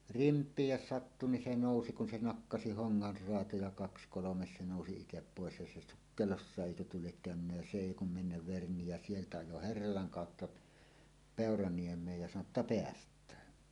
rimpiin jos sattui niin se nousi kun se nakkasi hongan raatoja kaksi kolme se nousi itse pois ja se sukkelossakin eikö tuo lie käynyt ja se ei kuin mennä verni ja sieltä ajoi herralan kautta Peuraniemeen ja sanoi jotta päästään